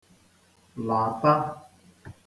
làta